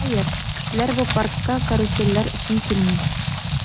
Хәер, кешеләр бу паркка карусельләр өчен килми.